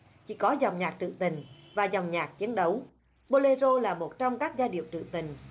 chỉ có dòng nhạc trữ tình và dòng nhạc chiến đấu bô lê rô là một trong các giai điệu trữ tình